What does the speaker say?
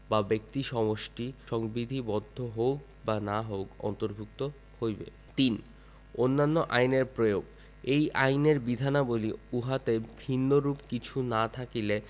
বা ব্যক্তি সমষ্টি সংবিধিবদ্ধ সংবিধিবদ্ধ হউক বা না হউক অন্তর্ভুক্ত হইবে ৩ অন্যান্য আইনের প্রয়োগঃ এই আইনের বিধানবলী উহাতে ভিন্নরূপ কিছু না থাকিলে